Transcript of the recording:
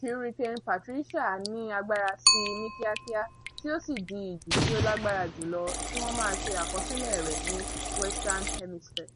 Hurricane Patricia ní agbára síi ní kíákíá tí ó sì di ìjì tí ó lágbára jùlọ tí wọ́n máa ṣe àkọsílẹ̀ rẹ̀ ní Western Hemisphere.